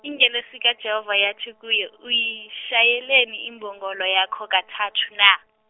ingelosi kaJehova yathi kuye, uyishayeleni imbongolo yakho kathathu na?